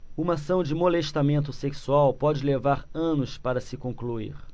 uma ação de molestamento sexual pode levar anos para se concluir